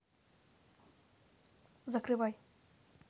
закрывай